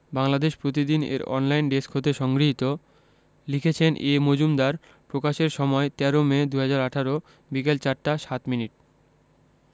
বাংলাদেশ প্রতিদিন এর online desk হতে সংগৃহীত লিখেছেনঃ এ মজুমদার প্রকাশের সময় ১৩মে ২০১৮ বিকেল ৪ টা ০৭ মিনিট